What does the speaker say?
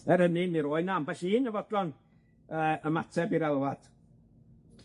Er ynny, mi roe' 'na ambell un yn fodlon yy ymateb i'r alwad.